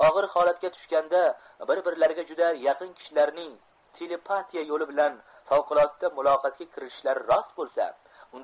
og'ir holatga tushganda bir birlariga juda yaqin kishilarning telepatiya yo'li bilan favqulodda muloqatga kirishishlari rost bo'lsa